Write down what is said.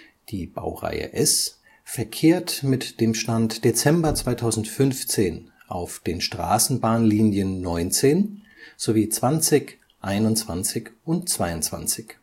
Die Baureihe S verkehrt derzeit (Stand: Dezember 2015) auf den Straßenbahnlinien 19 sowie 20, 21 und 22.